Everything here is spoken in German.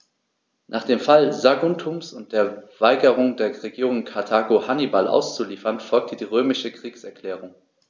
Nach dem Fall Saguntums und der Weigerung der Regierung in Karthago, Hannibal auszuliefern, folgte die römische Kriegserklärung.